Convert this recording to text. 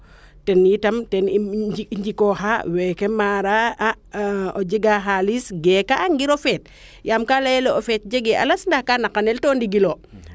te itam ten i njikooxa weeke maara o jega xalis geeka ngiro feet yaam ka leyele o feet jege a las nda ka naqanel to ndigilo